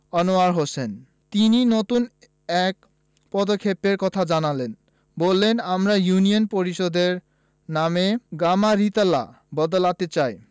আনোয়ার হোসেন তিনি নতুন এক পদক্ষেপের কথা জানালেন বললেন আমরা ইউনিয়ন পরিষদের নাম গামারিতলা বদলাতে চাই